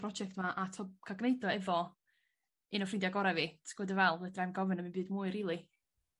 project 'ma a t'o' ca'l gneud o efo un o ffrindia gora fi ti gwo be' dwi fe'wl fedra'im gofyn 'im byd mwy rili.